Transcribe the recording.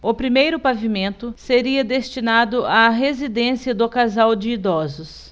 o primeiro pavimento seria destinado à residência do casal de idosos